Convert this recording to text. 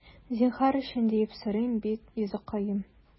Зинһар өчен, диеп сорыйм бит, йозаккаем...